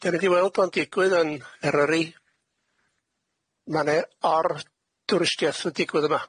'Dan ni di weld bo'n digwydd yn Eryri ma' ne' or-touristieth yn digwydd yma.